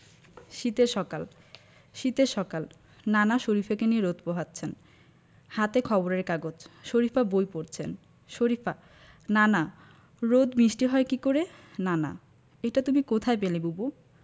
শীতের সকাল শীতের সকাল নানা শরিফাকে নিয়ে রোদ পোহাচ্ছেন হাতে খবরের কাগজ শরিফা বই পড়ছেন শরিফা নানা রোদ মিষ্টি হয় কী করে নানা এটা তুমি কোথায় পেলে বুবু